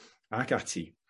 Ac ati.